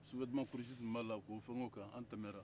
suvɛtiman kulusi tun b'a la k'o fɛnk'o kan an tɛmɛna